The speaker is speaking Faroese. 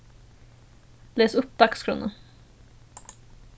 les upp dagsskránna